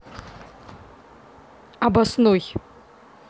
обоснуй